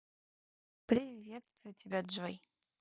приветствую тебя джой